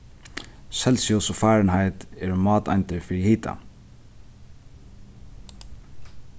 celsius og fahrenheit eru máteindir fyri hita